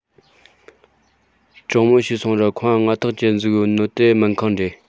དྲང མོ བྱོས སོང ར ཁང བ ལྔ ཐོག ཅན ཟིག ཡོད ནོ དེ སྨན ཁང རེད